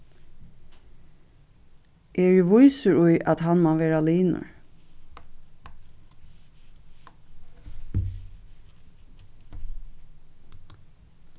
eg eri vísur í at hann man vera linur